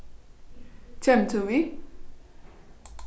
kemur tú við